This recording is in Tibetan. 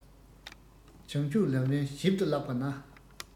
བྱང ཆུབ ལམ རིམ ཞིབ ཏུ བཀླགས པ ན